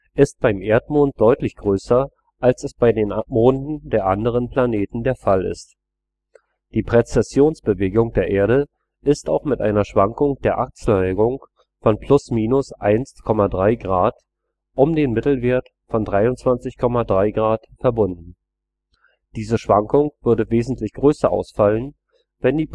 ist beim Erdmond deutlich größer, als es bei den „ Monden “der anderen Planeten der Fall ist. Die Präzessionsbewegung der Erdachse ist auch mit einer Schwankung der Achsneigung von ± 1,3° um den Mittelwert von 23,3° verbunden. Diese Schwankung würde wesentlich größer ausfallen, wenn die